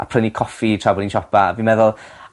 a prynu coffi tra bod ni'n siopa fi'n meddwl